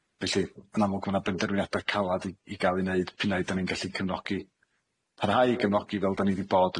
Felly yn amlwg ma' 'na benderfyniada' calad i i ga'l i neud pinnau da ni'n gallu cyfnogi, parhau i gyfnogi fel da ni di bod